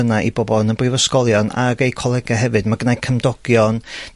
yna i bobol yn y brifysgolion ag eu colega hefyd. Ma' gynnai cymdogion